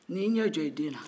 ni y'i ɲɛ jɔ i den na